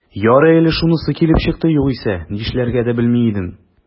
Ярый әле шунысы килеп чыкты, югыйсә, нишләргә дә белми идем...